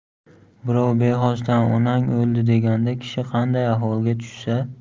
birov bexosdan onang o'ldi deganda kishi qanday ahvolga tushsa